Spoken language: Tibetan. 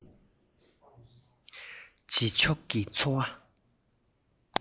རྗེས ཕྱོགས ཀྱི འཚོ བ